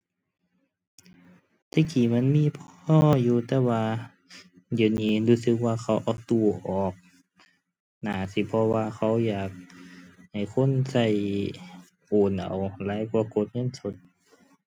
แต่กี้มันมีพออยู่ แต่ว่า เดี๋ยวนี้รู้สึกว่าเขาเอาตู้ออก น่าสิเพราะว่าเขาอยาก ให้คนใช้โอนเอาหลายกว่ากดเงินสด